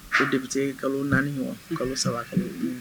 Ko de bɛ se kalo naani ɲɔgɔn kalo saba